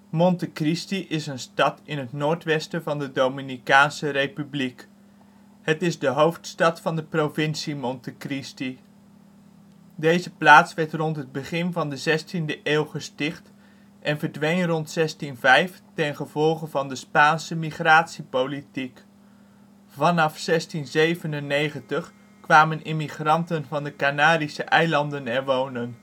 Monte Cristi is een stad in het noordwesten van de Dominicaanse Republiek. Het is de hoofdstad van de provincie Monte Cristi. Deze plaats werd rond het begin van de 16e eeuw gesticht en verdween rond 1605 ten gevolge van de Spaanse migratiepolitiek. Vanaf 1697 kwamen immigranten van de Canarische Eilanden er wonen